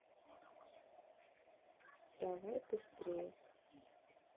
давай быстрее